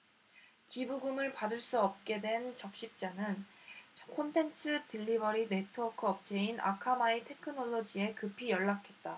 기부금을 받을 수 없게 된 적십자는 콘텐츠 딜리버리 네트워크 업체인 아카마이 테크놀로지에 급히 연락했다